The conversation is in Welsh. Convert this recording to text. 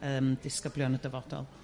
yrm disgyblion y dyfodol.